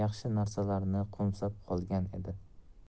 yaxshi narsalarni qo'msab qolgan edi